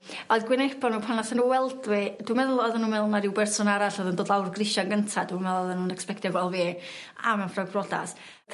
A oedd gwyneba n'w pan nathan n'w weld fi dwi'n meddwl oddan nw'n meddwl ma' ryw berson arall o'dd yn dod lawr y grisia 'yn gynta dwi'm me'wl oddan nw'n ecsbectio gweld fi a mewn ffrog brodas.